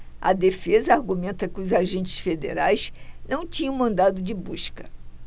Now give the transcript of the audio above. a defesa argumenta que os agentes federais não tinham mandado de busca